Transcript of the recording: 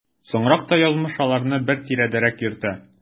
Соңрак та язмыш аларны бер тирәдәрәк йөртә.